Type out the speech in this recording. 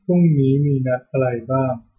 พรุ่งนี้มีนัดอะไรบ้าง